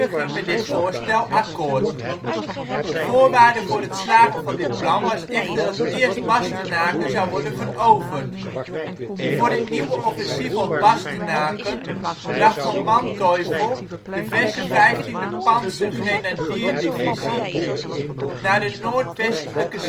ging met dit voorstel akkoord. Voorwaarde voor het slagen van dit plan was echter dat eerst Bastenaken zou worden veroverd. Voor dit nieuwe offensief op Bastenaken bracht Von Manteuffel de verse 15e pantsergrenadierdivisie naar de noordwestelijke